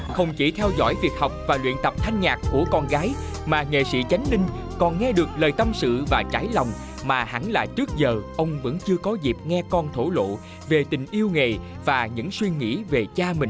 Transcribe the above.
không chỉ theo dõi việc học và luyện tập thanh nhạc của con gái mà nghệ sĩ chánh linh còn nghe được lời tâm sự và trải lòng mà hẳn là trước giờ ông vẫn chưa có dịp nghe con thổ lộ về tình yêu nghề và những suy nghĩ về cha mình